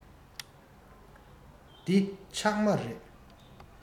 འདི ཕྱགས མ རིད